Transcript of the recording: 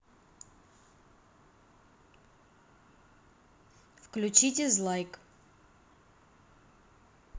включи дизлайк